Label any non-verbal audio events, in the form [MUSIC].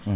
[HESITATION] [HESITATION]